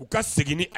U ka segin